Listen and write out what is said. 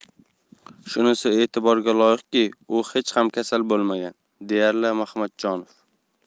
shunisi e'tiborga loyiqki u hech ham kasal bo'lmagan deydi mahmajonov